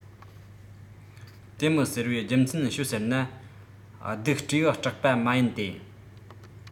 དེ མི ཟེར བའི རྒྱུ མཚན ཤོད ཟེར ན སྡུག སྤྲེའུར སྐྲག པ མ ཡིན ཏེ